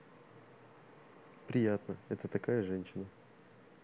приятно это такая женщина